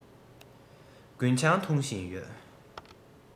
རྒུན ཆང འཐུང བཞིན ཡོད